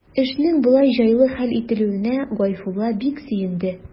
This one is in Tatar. Эшнең болай җайлы хәл ителүенә Гайфулла бик сөенде.